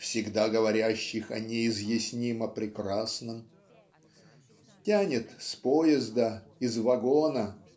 всегда говорящих о неизъяснимо прекрасном" тянет с поезда из вагона